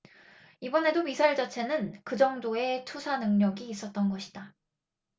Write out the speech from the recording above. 이번에도 미사일 자체는 그 정도의 투사능력이 있었던 것이다